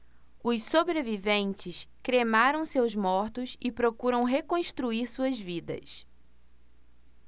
os sobreviventes cremaram seus mortos e procuram reconstruir suas vidas